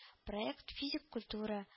Проект физик культура